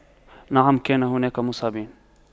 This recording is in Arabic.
نعم كان هناك مصابين